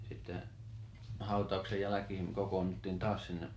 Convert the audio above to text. sitten hautauksen jälkeen kokoonnuttiin taas sinne